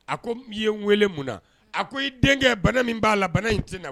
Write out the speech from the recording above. A ko i ye n weele mun na? A ko i denkɛ bana min b'a la, bana in tɛna